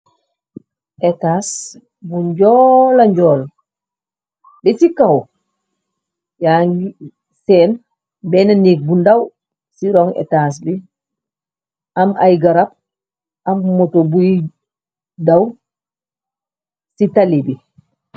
Etas bu njool la njool, be ci kaw, yaa ngi seen benne neek bu ndaw ci ron etas bi, am ay garab, am moto buy daw ci tali bi.